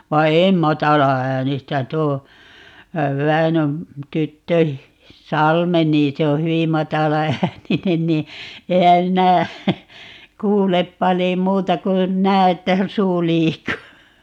vaan en matalaäänistä tuo Väinön tyttö Salme niin se on hyvin matalaääninen niin enhän minä kuule paljon muuta kuin näen että suu liikkuu